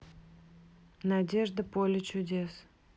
надежда поле чудес